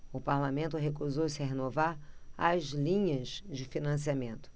o parlamento recusou-se a renovar as linhas de financiamento